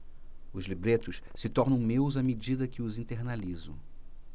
os libretos se tornam meus à medida que os internalizo